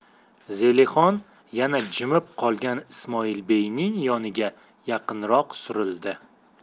zelixon yana jimib qolgan ismoilbeyning yoniga yaqinroq surildi